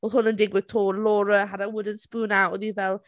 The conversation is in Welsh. Oedd hwn yn digwydd 'to. Laura had a wooden spoon out, o'n i fel...